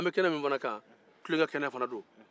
an bɛ kɛnɛ min fana kan tulonkɛ kɛnɛ don